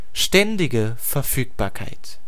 Ständige Verfügbarkeit